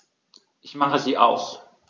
Ich mache sie aus.